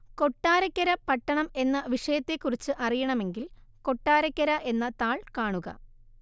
കൊട്ടാരക്കര പട്ടണം എന്ന വിഷയത്തെക്കുറിച്ച് അറിയണമെങ്കിൽ കൊട്ടാരക്കര എന്ന താൾ കാണുക